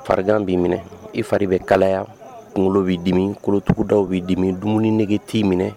Fara b'i minɛ i fa bɛ kalaya kunkolo bɛi dimi kolotigiwda bɛi dimi dumuni nɛgɛge t minɛ